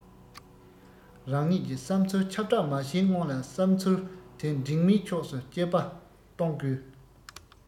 རང ཉིད ཀྱི བསམ ཚུལ ཁྱབ སྦྲགས མ བྱས སྔོན ལ བསམ ཚུལ དེ འགྲིག མིན ཕྱོགས སུ དཔྱད པ གཏོང དགོས